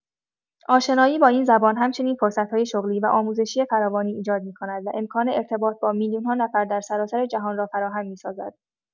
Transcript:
آشنایی با این زبان همچنین فرصت‌های شغلی و آموزشی فراوانی ایجاد می‌کند و امکان ارتباط با میلیون‌ها نفر در سراسر جهان را فراهم می‌سازد.